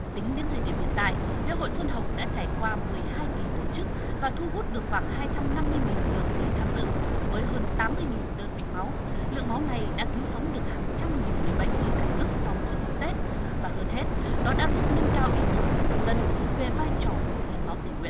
tính đến thời điểm hiện tại lễ hội xuân hồng đã trải qua mười hai kỳ tổ chức và thu hút được khoảng hai trăm năm mươi nghìn lượt người tham dự với hơn tám mươi nghìn đơn vị máu lượng máu này đã cứu sống được hàng trăm nghìn người bệnh trên cả nước sau mỗi dịp tết và hơn hết nó đã giúp nâng cao ý thức của người dân về vai trò của hiến máu tình nguyện